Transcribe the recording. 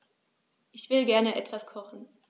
Ich will gerne etwas kochen.